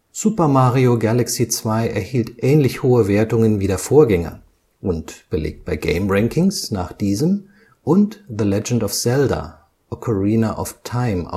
Super Mario Galaxy 2 erhielt ähnlich hohe Wertungen wie der Vorgänger und belegt bei GameRankings nach diesem und The Legend of Zelda: Ocarina of Time